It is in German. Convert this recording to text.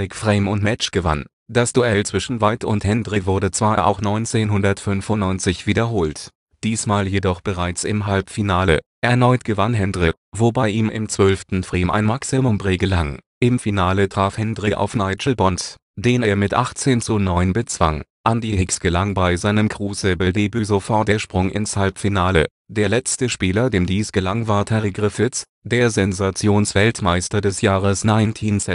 Frame und Match gewann. Das Duell zwischen White und Hendry wurde zwar auch 1995 wiederholt, diesmal jedoch bereits im Halbfinale. Erneut gewann Hendry, wobei ihm im zwölften Frame ein Maximum Break gelang. Im Finale traf Hendry auf Nigel Bond, den er mit 18:9 bezwang. Andy Hicks gelang bei seinem Crucible-Debüt sofort der Sprung ins Halbfinale; der letzte Spieler dem dies gelang war Terry Griffiths, der Sensationsweltmeister des Jahres 1979. Im